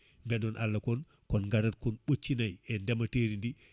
beeɗon Allah kon kon garat kon ɓoccinay e ndemanteri ndi